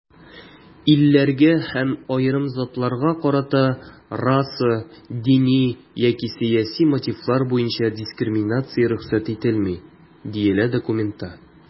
"илләргә һәм аерым затларга карата раса, дини яки сәяси мотивлар буенча дискриминация рөхсәт ителми", - диелә документта.